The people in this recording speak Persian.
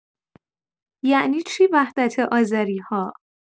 یعنی چی وحدت آذری‌ها؟